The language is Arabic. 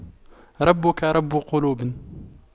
ربك رب قلوب